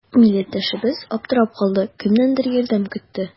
Милләттәшебез аптырап калды, кемнәндер ярдәм көтте.